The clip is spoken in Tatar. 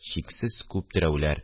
Чиксез күп терәүләр